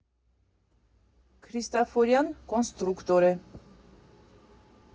Քրիստաֆորյան, կոնստրուկտոր՝ Է.